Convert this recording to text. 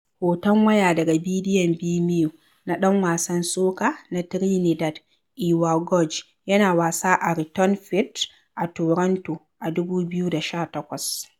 Hoton waya daga bidiyon ɓimeo na ɗan wasan soca na Trinidad Iwer George, yana wasa a Return Fete a Toronto a 2018.